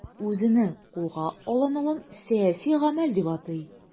Үзенең кулга алынуын сәяси гамәл дип атый.